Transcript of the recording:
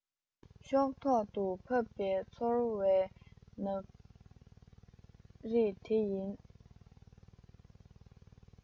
ཤོག ཐོག ཏུ ཕབ པའི ཚོར བའི ནག རིས དེ ཡིན